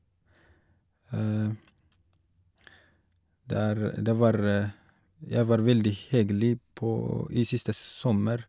det er det var Jeg var veldig kjedelig på i siste sommer.